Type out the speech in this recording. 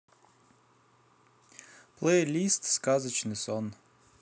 плейлист сказочный сон